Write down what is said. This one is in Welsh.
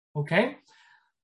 Okay?